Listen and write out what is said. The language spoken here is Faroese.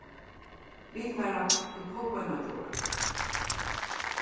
vit fara til kolbeinagjáar